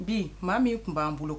Bi maa min tun b'an bolo